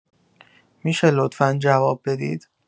می‌شه لطفا جواب بدید؟